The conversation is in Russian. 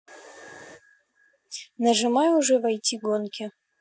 нажимай уже войти гонки